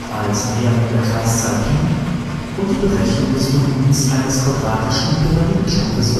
als Näherung der Kreiszahl π (pi) und die Berechnung des Volumens eines quadratischen Pyramidenstumpfs